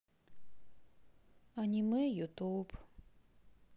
аниме ютуб